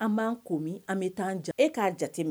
An b'an ko min an bɛ taa jan e k'a jate